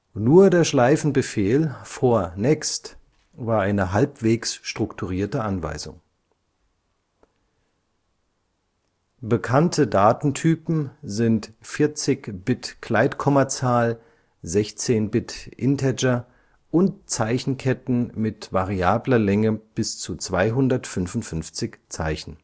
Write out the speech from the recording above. Nur der Schleifenbefehl FOR/NEXT war eine halbwegs strukturierte Anweisung. Bekannte Datentypen sind 40-Bit-Gleitkommazahl, 16-Bit-Integer und Zeichenketten mit variabler Länge bis zu 255 Zeichen